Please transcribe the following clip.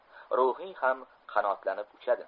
ruhing ham qanotlanib uchadi